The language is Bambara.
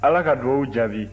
ala ka dugaw jaabi